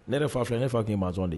Ne yɛrɛ fa filɛ ne fa kun ye maçon de ye